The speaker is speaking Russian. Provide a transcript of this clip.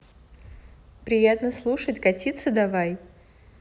приятно слушать катиться давай